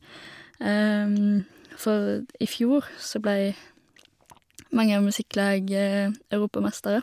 For d i fjor så blei Manger Musikklag Europamestere.